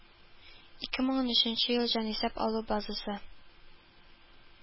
Ике мең унөченче ел җанисәп алу базасы